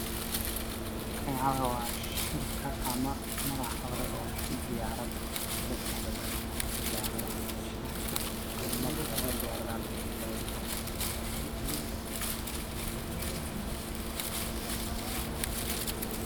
Waa ci af cayof meesha laga wado steeringkeeda waxa ay leedahay labo collood oo laga kaxeeyo oo midooday